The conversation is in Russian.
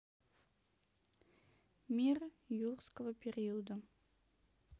мир юрского запада